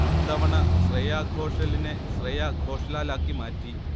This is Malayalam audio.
ഇത്തവണ ശ്രേയാ ഘോഷലിനെ ശ്രേയാ ഘോഷ്ലാലാക്കി മാറ്റി